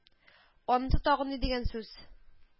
Анысы тагын ни дигән сүз